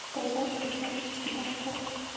bozor ko'rgan echkidan qo'rq